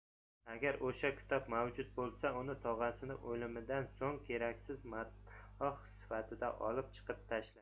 agar o'sha kitob mavjud bo'lsa uni tog'asining o'limidan so'ng keraksiz matoh sifatida olib chiqib tashlashgan